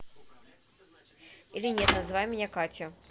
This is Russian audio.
или нет называй меня катя